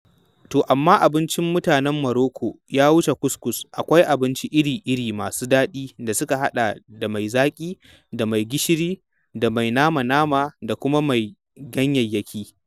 To amma abincin mutanen Morocco ya wuce kuskus, akwai abinci iri-iri masu daɗi da suka haɗa mai zaƙi da mai gishiri da mai nama-nama da kuma mai ganyayyaki.